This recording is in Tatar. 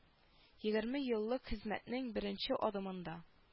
Егерме еллык хезмәтнең беренче адымында